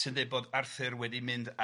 Sy'n dweud bod Arthur wedi mynd a